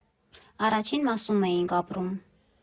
Առաջին մասում էինք ապրում։